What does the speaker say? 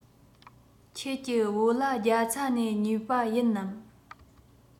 ཁྱེད ཀྱི བོད ལྭ རྒྱ ཚ ནས ཉོས པ ཡིན ནམ